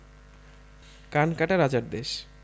কানকাটা রাজার দেশ